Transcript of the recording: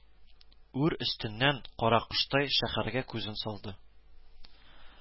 Үр өстеннән, каракоштай, шәһәргә күзен салды